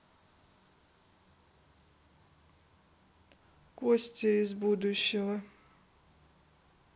гостья из будущего